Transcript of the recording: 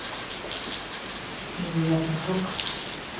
девятый круг